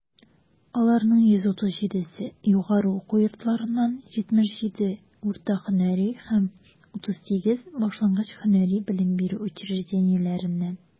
Аларның 137 се - югары уку йортларыннан, 77 - урта һөнәри һәм 38 башлангыч һөнәри белем бирү учреждениеләреннән.